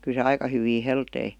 kyllä se aika hyvin heltisi